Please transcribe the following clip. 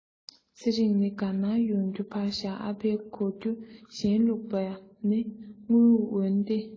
ཚེ རིང ནི དགའ སྣང ཡོང རྒྱུ ཕར བཞག ཨ ཕའི གོ རྒྱུ གཞན བླུག པ ནི དངུལ འོན ཏེ